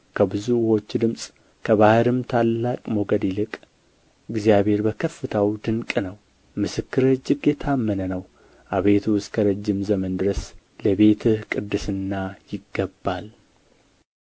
ከብዙ ውኆች ድምፅ ከባሕርም ታላቅ ሞገድ ይልቅ እግዚአብሔር በከፍታው ድንቅ ነው ምስክርህ እጅግ የታመነ ነው አቤቱ እስከ ረጅም ዘመን ድረስ ለቤትህ ቅድስና ይገባል